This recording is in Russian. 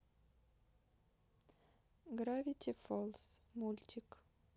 гравити фолз мультик